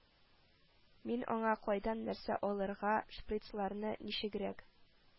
Мин аңа кайдан нәрсә алырга, шприцларны ничегрәк